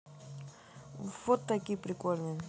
вот такие прикольные